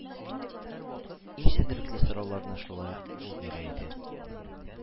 Иң четерекле сорауларны шулай ук ул бирә иде.